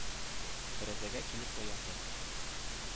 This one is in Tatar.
Тәрәзәгә килеп таянды,